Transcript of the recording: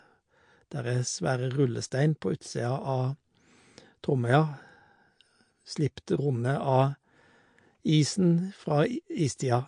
Der er svære rullestein på utsia av Tromøya, slipt runde av isen fra i istida.